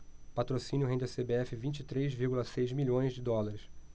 patrocínio rende à cbf vinte e três vírgula seis milhões de dólares